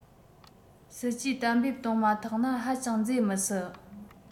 སྲིད ཇུས གཏན འབེབས བཏོན མ ཐག ན ཧ ཅང མཛེས མི སྲིད